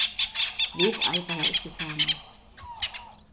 vit arbeiða ikki saman